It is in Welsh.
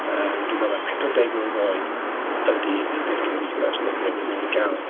Yym, dwi'n meddwl na pedwar deg mlwydd oed ydy ydy'r Gymdeithas, neu newydd newydd gael.